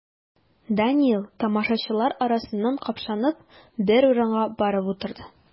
Данил, тамашачылар арасыннан капшанып, бер урынга барып утырды.